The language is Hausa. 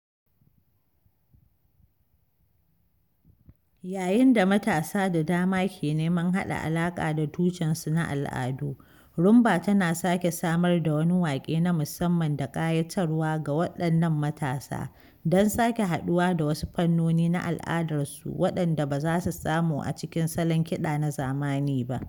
Yayin da matasa da dama ke neman haɗa alaƙa da tushensu na al’adu, Rhumba tana sake samar da wani waƙe na musamman da ƙayatarwa ga waɗannan matasa, don sake haɗuwa da wasu fannoni na al’adarsu waɗanda ba za su samu a cikin salon kiɗa na zamani ba.